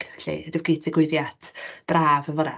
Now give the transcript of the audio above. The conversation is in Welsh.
Felly, ryw gyd-ddigwyddiad braf yn fan'na.